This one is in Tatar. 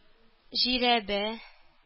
Жирәбә